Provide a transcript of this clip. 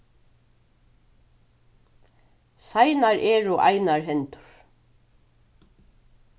seinar eru einar hendur